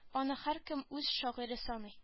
Аны һәркем үз шагыйре саный